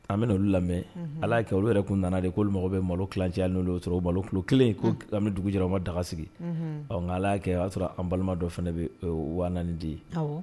An bɛna olu lamɛ unhun Ala y'a kɛ olu yɛrɛ kun nana de k'olu mago bɛ malo kilancɛ hali n'olu y'o sɔrɔ o balo kilo 1 ko kabini dugu jɛra u ma daga sigi unhun ɔɔ nka Ala y'a kɛ o y'a sɔrɔ an balima dɔ fɛnɛ be ye e o ye 4000 di awɔ